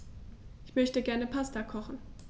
Ich möchte gerne Pasta kochen.